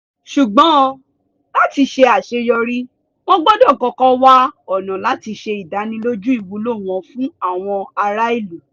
Ṣùgbọ́n, láti ṣe àṣeyọrí, wọ́n gbọdọ̀ kọ́kọ́ wá ọ̀nà láti ṣe ìdánilójú ìwúlò wọn fún àwọn ará-ìlú.